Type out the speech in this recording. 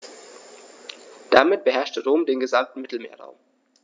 Damit beherrschte Rom den gesamten Mittelmeerraum.